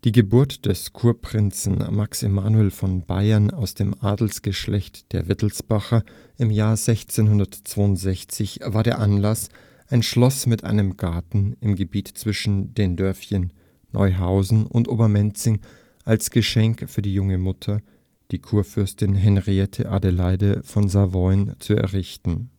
Geburt des Kurprinzen Max Emanuel von Bayern aus dem Adelsgeschlecht der Wittelsbacher im Jahr 1662 war der Anlass, ein Schloss mit einem Garten im Gebiet zwischen den Dörfern Neuhausen und Obermenzing als Geschenk für die junge Mutter, die Kurfürstin Henriette Adelaide von Savoyen, zu errichten